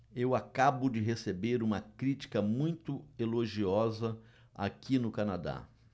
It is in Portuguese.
eu acabo de receber uma crítica muito elogiosa aqui no canadá